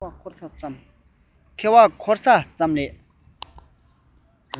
ཁེ བ འཁོར ས ཙམ ལས